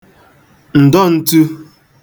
ǹdọn̄tū